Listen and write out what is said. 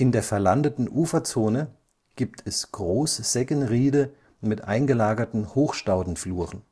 der verlandenden Uferzone gibt es Großseggenriede mit eingelagerten Hochstaudenfluren